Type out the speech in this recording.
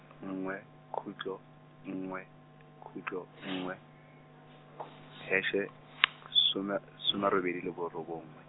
nngwe, khutlo, nngwe, khutlo, nngwe , deshe , some, some a robedi le borobongwe.